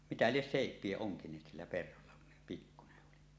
mitä lie seipiä onkineet sillä perholla kun se pikkuinen oli